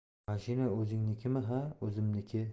mashina o'zingiznikimi ha o'zimniki